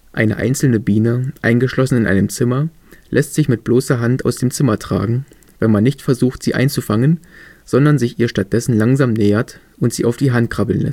Eine einzelne Biene, eingeschlossen in einem Zimmer, lässt sich mit bloßer Hand aus dem Zimmer tragen, wenn man nicht versucht sie einzufangen, sondern sich ihr stattdessen langsam nähert und sie auf die Hand krabbeln